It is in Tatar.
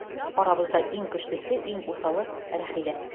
Арабызда иң көчлесе, иң усалы - Рәхилә.